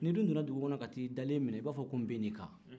ni dun donna dugu kɔnɔ ka t'i dalen minɛ i b'a fɔ ko n binn'i kan